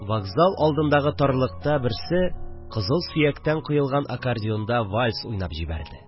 Вокзал алдындагы тарлыкта берсе кызыл сөяктән коелган аккордеонда вальс уйнап җибәрде